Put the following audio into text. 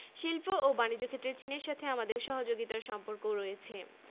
শিল্প ও বানিজ্য ক্ষেত্রে চীনের সাথে আমাদের সহযোগিতার সম্পর্কও রয়েছে